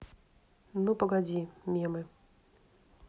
ну погоди мемы